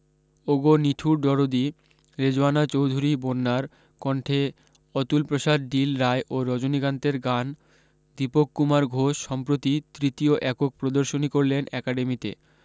ওগো নিঠুর দরদী রেজওয়ানা চোধুরী বন্যার কণ্ঠে অতুলপ্রসাদ ডিল রায় ও রজনীকান্তের গান দীপক কুমার ঘোষ সম্প্রতি তৃতীয় একক প্রদর্শনী করলেন একাডেমিতে